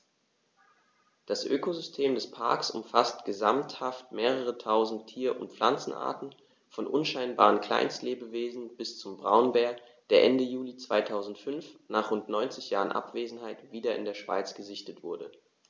Das Ökosystem des Parks umfasst gesamthaft mehrere tausend Tier- und Pflanzenarten, von unscheinbaren Kleinstlebewesen bis zum Braunbär, der Ende Juli 2005, nach rund 90 Jahren Abwesenheit, wieder in der Schweiz gesichtet wurde.